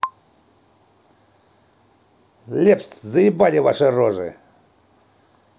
лепс заебали ваши рожи